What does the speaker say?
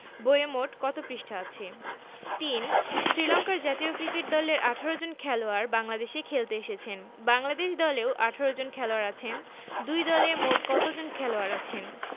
বইয়ে মোট কত পৃষ্ঠা আছে ৩ শ্রীলংকার জাতীয় ক্রিকেট দলের ১৮ জন খেলোয়াড় বাংলাদেশে খেলতে এসেছেন বাংলাদেশ দলেও ১৮ জন খেলোয়াড় আছেন দুই দলে মোট কতজন খেলোয়াড় আছেন